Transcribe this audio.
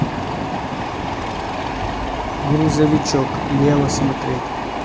грузовичок лева смотреть